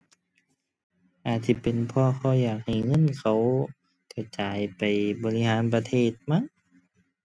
อาจสิเป็นเพราะเขาอยากให้เงินเขากระจายไปบริหารประเทศมั้ง